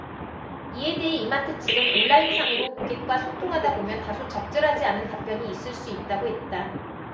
이에 대해 이마트 측은 온라인상으로 고객과 소통하다보면 다소 적절하지 않은 답변이 있을 수 있다고 했다